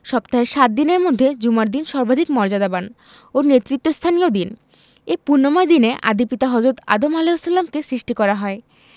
সপ্তাহের সাত দিনের মধ্যে জুমার দিন সর্বাধিক মর্যাদাবান ও নেতৃত্বস্থানীয় দিন এ পুণ্যময় দিনে আদি পিতা হজরত আদম আ কে সৃষ্টি করা হয়